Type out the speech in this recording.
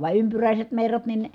vaan ympyräiset merrat niin